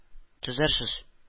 Төзәрсез